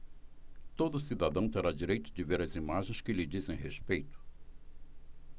todo cidadão terá direito de ver as imagens que lhe dizem respeito